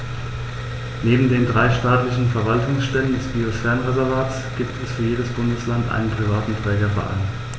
Neben den drei staatlichen Verwaltungsstellen des Biosphärenreservates gibt es für jedes Bundesland einen privaten Trägerverein.